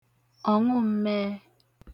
ọ̀ṅụm̄mẹ̄ẹ̄